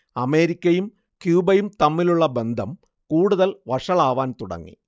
അമേരിക്കയും ക്യൂബയും തമ്മിലുള്ള ബന്ധം കൂടുതൽ വഷളാവാൻ തുടങ്ങി